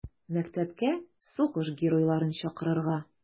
Мәктәпкә сугыш геройларын чакырырга.